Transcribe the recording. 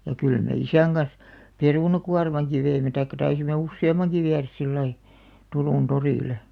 ja kyllä me isän kanssa perunakuormankin veimme tai taisimme useammankin viedä sillä lailla Turun torille